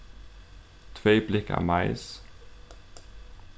tvey blikk av mais